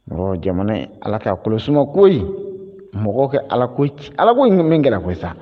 Mɔgɔ jamana ye ala k'a kɔlɔsiso ko mɔgɔ kɛ ala ko ci ala ko ɲini min kɛra koyi sa